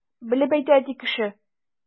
Белеп әйтә әти кеше!